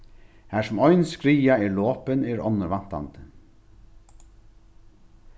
har sum ein skriða er lopin er onnur væntandi